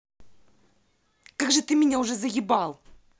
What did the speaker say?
как же ты меня уже заебал